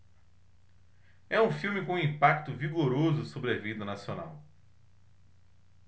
é um filme com um impacto vigoroso sobre a vida nacional